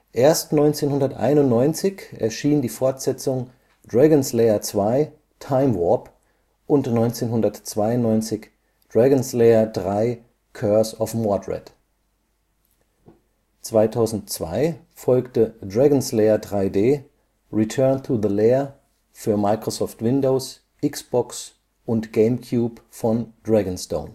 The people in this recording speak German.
Erst 1991 erschien die Fortsetzung Dragon’ s Lair II: Time Warp und 1992 Dragon’ s Lair III: Curse of Mordread. 2002 folgte Dragon’ s Lair 3D: Return to the Lair für Microsoft Windows, Xbox und GameCube von DragonStone